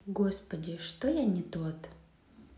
господи что я не тот